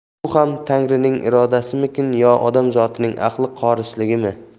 bu ham tangrining irodasimikin yo odam zotining aqli qosirligimi